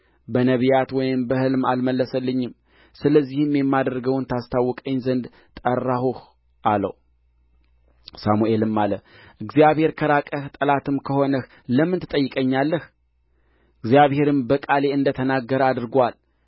በነቢያት ወይም በሕልም አልመለሰልኝም ስለዚህም የማደርገውን ታስታውቀኝ ዘንድ ጠራሁህ አለው ሳሙኤልም አለ እግዚአብሔር ከራቀህ ጠላትም ከሆነህ ለምን ትጠይቀኛለህ እግዚአብሔርም በቃሌ እንደ ተናገረ አድርጎአል